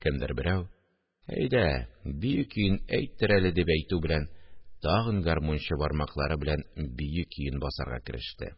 Кемдер берәү: – Әйдә, бию көен әйттер әле! – дип әйтү белән, тагын гармунчы бармаклары белән бию көен басарга кереште